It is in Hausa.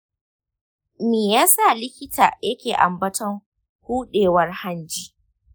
me yasa likita yake ambaton huɗewar hanji?